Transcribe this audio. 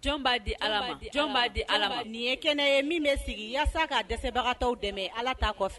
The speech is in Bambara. Jɔn'a di ala'a di ala nin ye kɛnɛ ye min bɛ sigi yaasa k kaa dɛsɛbagata dɛmɛ ala' kɔfɛ